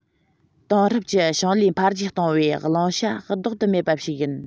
དེང རབས ཀྱི ཞིང ལས འཕེལ རྒྱས གཏོང བའི བླང བྱ ཟློག ཏུ མེད པ ཞིག ཡིན